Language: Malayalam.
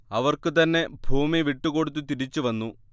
അവർക്കു തന്നെ ഭൂമി വിട്ടുകൊടുത്തു തിരിച്ചു വന്നു